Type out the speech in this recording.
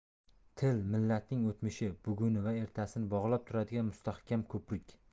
til millatning o'tmishi buguni va ertasini bog'lab turadigan mustahkam ko'prik